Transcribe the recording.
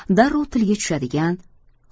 darrov tilga tushadigan